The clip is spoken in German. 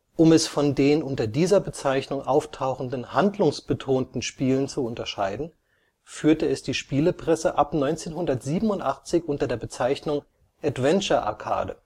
Um es von den unter dieser Bezeichnung auftauchenden handlungsbetonten Spielen zu unterscheiden, führte es die Spielepresse ab 1987 unter der Bezeichnung „ Adventure-Arcade